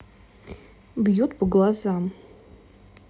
бьет по глазам